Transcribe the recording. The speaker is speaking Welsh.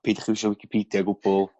peidiwch a iwiso Wicipedia o'gwbwl